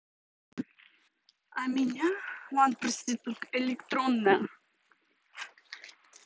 а меня one проститутка электронная